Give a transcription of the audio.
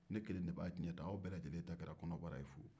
ne kelen de b'a ciɲɛ ta aw bɛɛ lajɛlen ta kɛra kɔnɔbara ye fuu